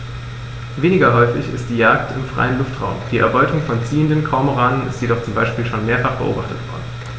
Weniger häufig ist die Jagd im freien Luftraum; die Erbeutung von ziehenden Kormoranen ist jedoch zum Beispiel schon mehrfach beobachtet worden.